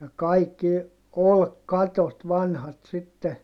ja kaikki olkikatot vanhat sitten